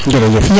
jerejef